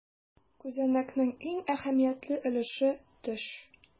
Күзәнәкнең иң әһәмиятле өлеше - төш.